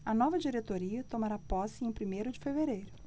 a nova diretoria tomará posse em primeiro de fevereiro